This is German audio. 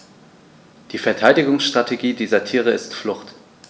Die Verteidigungsstrategie dieser Tiere ist Flucht.